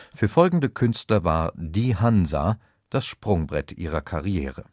Für folgende Künstler war „ die Hansa “das Sprungbrett ihrer Karriere